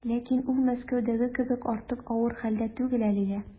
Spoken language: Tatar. Ләкин ул Мәскәүдәге кебек артык авыр хәлдә түгел әлегә.